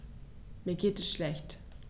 Mir geht es schlecht.